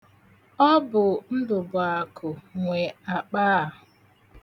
Ọ bụ Ndụbụakụ nwe akpa a.